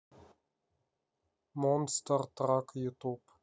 монстр трак ютуб